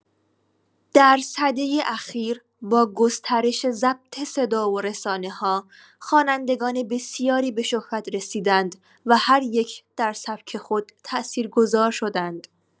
در سده اخیر با گسترش ضبط صدا و رسانه‌ها، خوانندگان بسیاری به شهرت رسیدند و هر یک در سبک خود تأثیرگذار شدند.